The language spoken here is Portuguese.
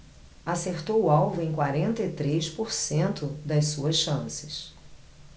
acertou o alvo em quarenta e três por cento das suas chances